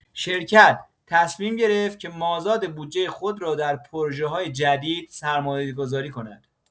شرکت تصمیم گرفت که مازاد بودجه خود را در پروژه‌های جدید سرمایه‌گذاری کند.